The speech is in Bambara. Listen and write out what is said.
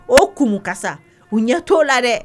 O kunumuka sa u ɲɛ t' o la dɛ